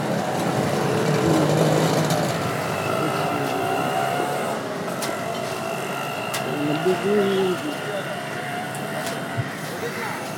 Waxaa meeshaan yaalo oodka oo ku jiro saxan waxaana ag yaallo saxamaan kale